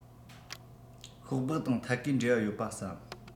ཤོག སྦག དང ཐད ཀའི འབྲེལ བ ཡོད པ བསམ